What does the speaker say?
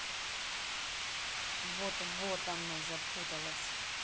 вот вот оно запуталось